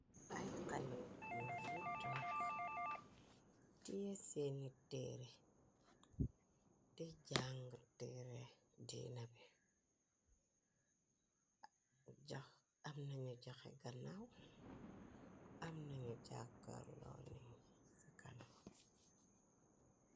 Ay xale goor yi dokk tie seeni teere te jàng teere diina bi am nanu joxe ganaw amnanu jàkkar loo ci kanam.